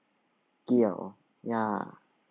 เกี่ยวหญ้า